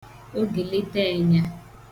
ogèleeteenya